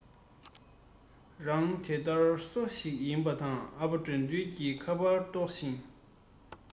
རང དེ དར སོ ཞིག ཡིན པ ནི ཨ ཕ དགྲ འདུལ གི ག པར རྟོག སྲིད